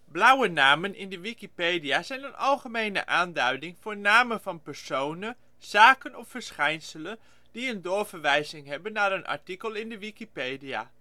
Blauwe namen in de wikipedia zijn een algemene aanduiding voor namen van personen, zaken of verschijnselen, die een doorverwijzing hebben naar een artikel in de wikipedia